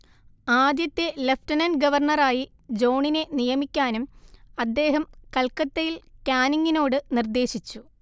ആദ്യത്തെ ലെഫ്റ്റനന്റ് ഗവർണറായി ജോണിനെ നിയമിക്കാനും അദ്ദേഹം കൽക്കത്തയിൽ കാനിങ്ങിനോട് നിർദ്ദേശിച്ചു